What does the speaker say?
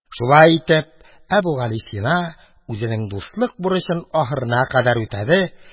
Шулай итеп, Әбүгалисина үзенең дуслык бурычын ахырына кадәр үтәде.